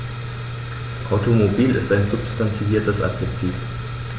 Automobil ist ein substantiviertes Adjektiv.